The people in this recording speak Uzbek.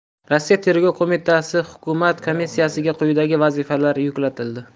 rossiya tergov qo'mitasihukumat komissiyasiga quyidagi vazifalar yuklatildi